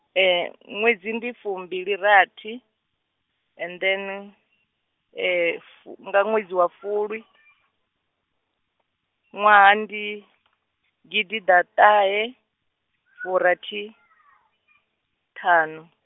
ṅwedzi ndi fumbilirathi, and then, nga ṅwedzi wa fulwi, ṅwaha ndi, gidiḓaṱahefurathiṱhanu.